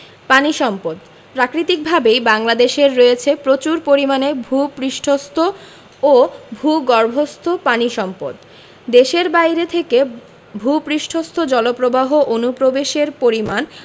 পানি সম্পদঃ প্রাকৃতিকভাবেই বাংলাদেশের রয়েছে প্রচুর পরিমাণে ভূ পৃষ্ঠস্থ ও ভূগর্ভস্থ পানি সম্পদ দেশের বাইরে থেকে ভূ পৃষ্ঠস্থ জলপ্রবাহ অনুপ্রবেশের পরিমাণ